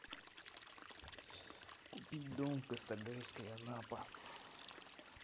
купить дом в гастогайской анапа